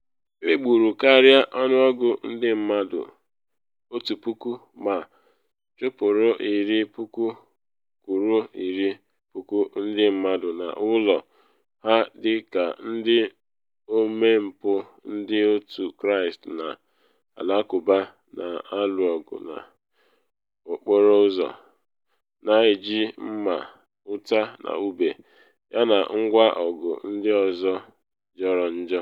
Egburu karịa ọnụọgụ ndị mmadụ 1,000 ma chụpụ iri puku kwụrụ iri puku ndị mmadụ n’ụlọ ha dị ka ndị omempụ Ndị Otu Kraịst na Alakụba na alụ ọgụ n’okporo ụzọ, na eji mma, ụta na ube, yana ngwa-ọgụ ndị ọzọ jọrọ njọ.